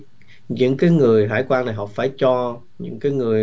những cái người hải quan này họ phải cho những cái người